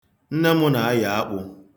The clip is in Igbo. Nne m na-ayọ akpụ.